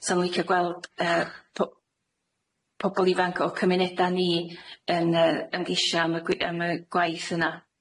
'Sa nw'n licio gweld yy po- pobol ifanc o cymuneda ni yn yy ymgeisio am y gw- am y gwaith yna.